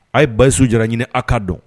A' ye Bayisu Jara ɲini a k'a dɔn!